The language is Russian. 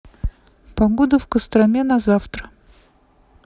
погода в костроме на завтра